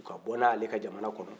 u ka bɔ n'a ye ale jamana kɔnɔ